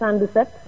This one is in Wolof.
77